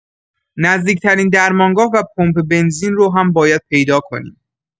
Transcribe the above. نزدیک‌ترین درمانگاه و پمپ‌بنزین رو هم باید پیدا کنیم.